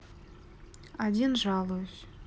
один жалуюсь